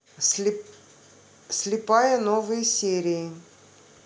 слепая новые серии